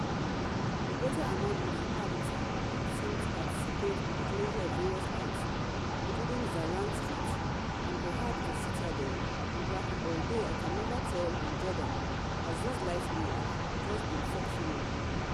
The Greater Amman Municipality did seem to participate with the closure of various lights, including Zahran Street, and perhaps the Citadel (although I can never tell in Jordan as those lights may have just been malfunctioning).